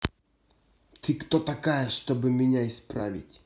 ты кто такая чтобы ты мне исправить